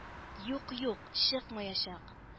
Юк, юк, чыкмаячак